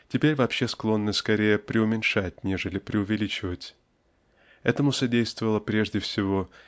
теперь вообще склонны скорее преуменьшать нежели преувеличивать. Этому содействовало прежде всего